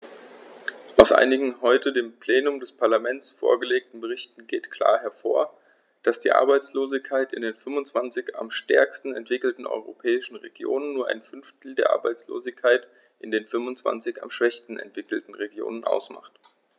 Aus einigen heute dem Plenum des Parlaments vorgelegten Berichten geht klar hervor, dass die Arbeitslosigkeit in den 25 am stärksten entwickelten europäischen Regionen nur ein Fünftel der Arbeitslosigkeit in den 25 am schwächsten entwickelten Regionen ausmacht.